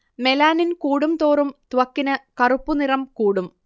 melanin കൂടുംതോറും ത്വക്കിന് കറുപ്പു നിറം കൂടും